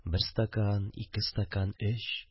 Бер стакан, ике стакан, өч